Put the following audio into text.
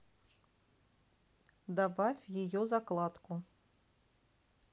добавь ее закладку